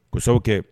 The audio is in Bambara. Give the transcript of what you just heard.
Sa kɛ